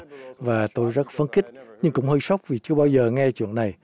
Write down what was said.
và tôi rất phấn khích nhưng cũng hơi sốc vì chưa bao giờ nghe chuyện này